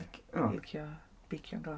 Lic-...O... licio beicio'n glaw.